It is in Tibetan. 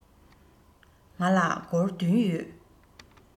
ང ལ སྒོར བདུན ཡོད